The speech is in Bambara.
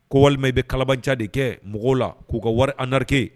Ko walima i bɛ kalabaja de kɛ mɔgɔw la k'u ka wari andarike